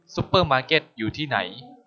ซุเปอร์มาร์เก็ตอยู่ที่ไหน